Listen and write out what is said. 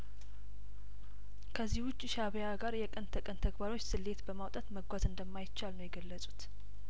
ከዚህ ውጪ ሻእቢያ ጋር የቀን ተቀን ተግባሮች ስሌት በማውጣት መጓዝ እንደማይቻል ነው የገለጹት